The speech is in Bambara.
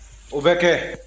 o bɛ kɛ